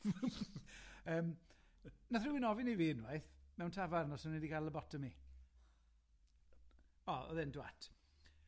Yym nath rywun ofyn i fi unwaith mewn tafarn os o'n i 'di ga'l labotomy, o o'dd e'n dwat